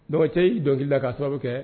Dɔgɔ y dɔnkili la ka sababubabu kɛ